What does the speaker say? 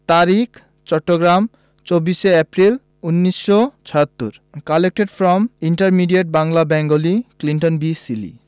তারিখ চট্টগ্রাম ২৪শে April ১৯৭৬ collected from intermediate Bangla Bengali Clinton B Seely